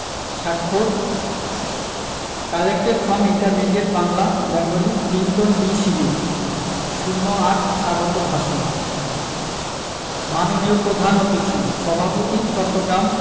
স্বাক্ষর collected from intermediate Bangla Bengali Clinton B Seely ০৮ স্বাগত ভাষণ মাননীয় প্রধান অতিথি সভাপতি চট্টগ্রাম